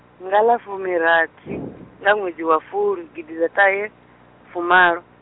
nga ḽa fumirathi, ḽa ṅwedzi wa fulwi gidiḓaṱahefumalo.